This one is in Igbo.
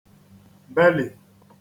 -bèlì